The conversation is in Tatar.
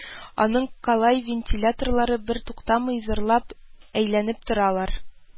Аның калай вентиляторлары бертуктамый зыр-лап әйләнеп торалар